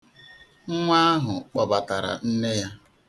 Nwa ahụ kpọbatara nne ya.